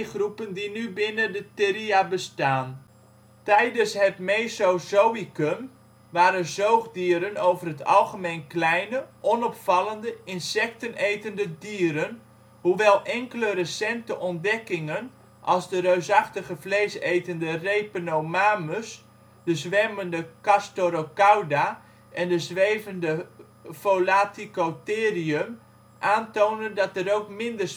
groepen die nu binnen de Theria bestaan. Tijdens het Mesozoïcum waren zoogdieren over het algemeen kleine, onopvallende, insectenetende dieren, hoewel enkele recente ontdekkingen als de reusachtige, vleesetende Repenomamus, de zwemmende Castorocauda en de zwevende Volaticotherium aantonen dat er ook minder